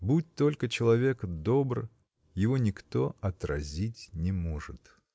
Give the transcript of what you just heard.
Будь только человек добр, -- его никто отразить не может.